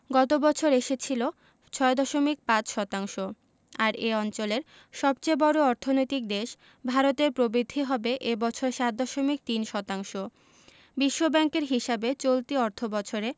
গত বছর এসেছিল ৬.৫ শতাংশ আর এ অঞ্চলের সবচেয়ে বড় অর্থনৈতিক দেশ ভারতের প্রবৃদ্ধি হবে এ বছর ৭.৩ শতাংশ বিশ্বব্যাংকের হিসাবে চলতি অর্থবছরে